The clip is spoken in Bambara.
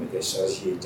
N kɛ sɔsi ye